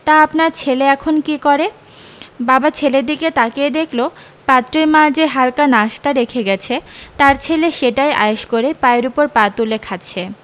তা আপনার ছেলে এখন কী করে বাবা ছেলের দিকে তাকিয়ে দেখল পাত্রীর মা যে হালকা নাশতা রেখে গেছে তার ছেলে সেটাই আয়েশ করে পায়ের ওপর পা তুলে খাচ্ছে